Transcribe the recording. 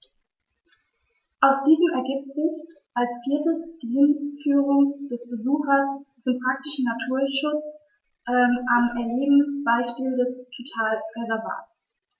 Aus diesen ergibt sich als viertes die Hinführung des Besuchers zum praktischen Naturschutz am erlebten Beispiel eines Totalreservats.